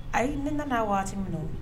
Ayi ni nana waati min na